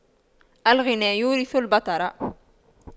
الغنى يورث البطر